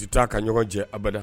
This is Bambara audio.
Futa taa ka ɲɔgɔn cɛ abada